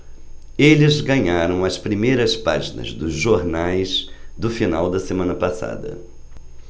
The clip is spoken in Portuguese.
eles ganharam as primeiras páginas dos jornais do final da semana passada